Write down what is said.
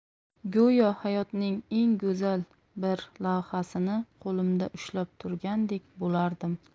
go'yo hayotning eng go'zal bir lavhasini qo'limda ushlab turgandek bo'lardim